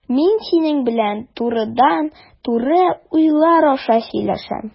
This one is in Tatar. Мин синең белән турыдан-туры уйлар аша сөйләшәм.